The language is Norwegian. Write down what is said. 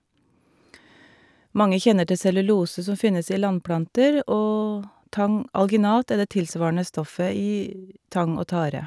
Mange kjenner til cellulose, som finnes i landplanter, og tang alginat er det tilsvarende stoffet i tang og tare.